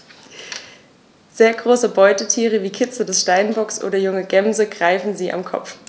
Sehr große Beutetiere wie Kitze des Steinbocks oder junge Gämsen greifen sie am Kopf.